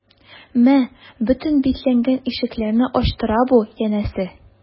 Мә, бөтен бикләнгән ишекләрне ачтыра бу, янәсе...